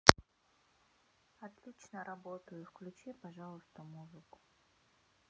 отлично работаю включи пожалуйста музыку